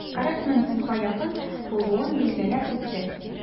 40 мең сумга якын булуын билгеләп үтте.